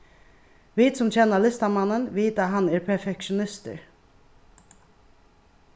vit sum kenna listamannin vita hann er perfektionistur